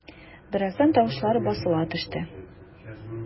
Бераздан тавышлар басыла төште.